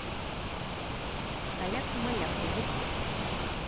каляка маляка ютуб